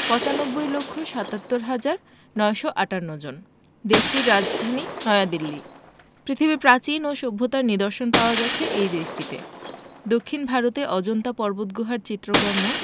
৯৫ লক্ষ ৭৭ হাজার ৯৫৮ জন দেশটির রাজধানী নয়াদিল্লী পৃথিবীর প্রাচীন ও সভ্যতার নিদর্শন পাওয়া গেছে এই দেশটিতে দক্ষিন ভারতে অজন্তা পর্বতগুহার চিত্রকর্ম